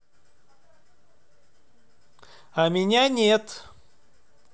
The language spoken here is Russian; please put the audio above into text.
а меня нет